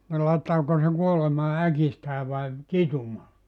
niin laittaako se kuolemaan äkistään vai kitumaan